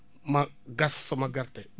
ma gas sama gerte